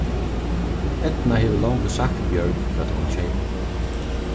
eydna hevur longu sagt bjørg hvat hon vil keypa